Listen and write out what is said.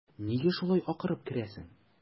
Нигә шулай акырып керәсең?